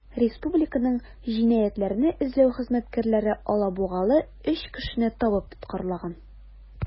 Республиканың җинаятьләрне эзләү хезмәткәрләре алабугалы 3 кешене табып тоткарлаган.